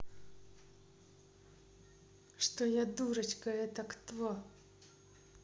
что я дурочка это кто